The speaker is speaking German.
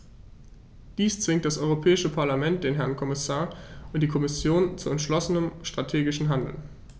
Dies zwingt das Europäische Parlament, den Herrn Kommissar und die Kommission zu entschlossenem strategischen Handeln.